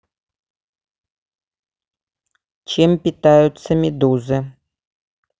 чем питаются медузы